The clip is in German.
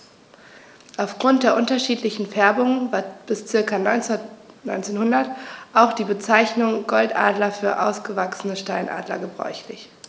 Auf Grund der unterschiedlichen Färbung war bis ca. 1900 auch die Bezeichnung Goldadler für ausgewachsene Steinadler gebräuchlich.